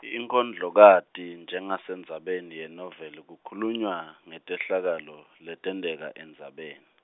Inkondlokati njengasendzabeni yenoveli kukhulunywa, ngetehlakalo, letenteka, endzabeni.